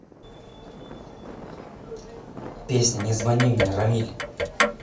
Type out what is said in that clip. песня не звони мне ramil'